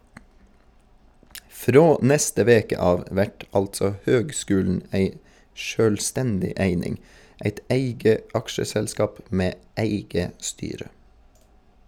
Frå neste veke av vert altså høgskulen ei sjølvstendig eining, eit eige aksjeselskap med eige styre.